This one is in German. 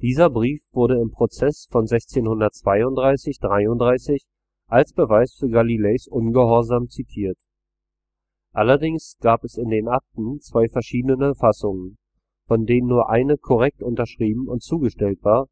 Dieser Brief wurde im Prozess von 1632 / 33 als Beweis für Galileis Ungehorsam zitiert. Allerdings gab es in den Akten zwei verschiedene Fassungen, von denen nur eine korrekt unterschrieben und zugestellt war,